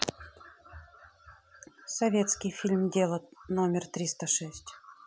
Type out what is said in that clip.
советский фильм дело номер триста шесть